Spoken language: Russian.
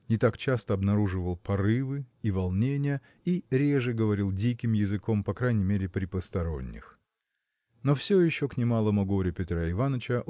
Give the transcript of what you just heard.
не так часто обнаруживал порывы и волнения и реже говорил диким языком по крайней мере при посторонних. Но все еще к немалому горю Петра Иваныча